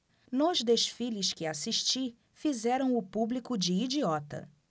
nos desfiles que assisti fizeram o público de idiota